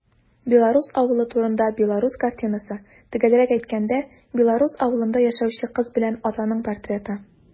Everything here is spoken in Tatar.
Белорус авылы турында белорус картинасы - төгәлрәк әйткәндә, белорус авылында яшәүче кыз белән атаның портреты.